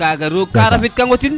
kaga roog ka rabid kango ten